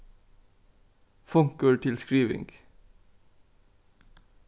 funkur til skriving